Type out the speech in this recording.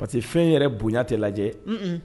Pa parce que fɛn yɛrɛ bonya tɛ lajɛ